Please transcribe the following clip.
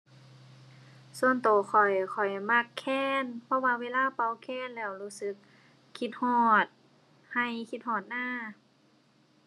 ส่วนตัวข้อย ข้อยมักแคน เพราะว่าเวลาเป่าแคนแล้ว รู้สึกคิดฮอดตัว คิดฮอดนา